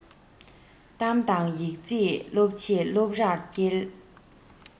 གཏམ དང ཡིག རྩིས སློབ ཆེད སློབ རར བསྐྱེལ